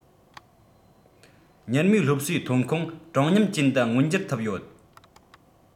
མྱུར མོར སློབ གསོའི ཐོན ཁུངས དྲང སྙོམས ཅན དུ མངོན འགྱུར ཐུབ ཡོད